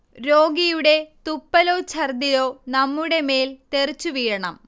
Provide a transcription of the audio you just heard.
രോഗിയുടെ തുപ്പലോ ഛർദ്ദിലോ നമ്മുടെ മേൽ തെറിച്ചു വീഴണം